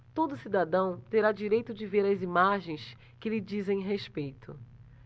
todo cidadão terá direito de ver as imagens que lhe dizem respeito